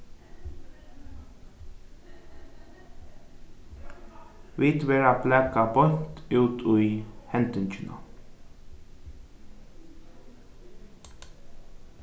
vit verða blakað beint út í hendingina